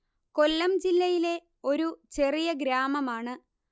കൊല്ലം ജില്ലയിലെ ഒരു ചെറിയ ഗ്രാമമാണ്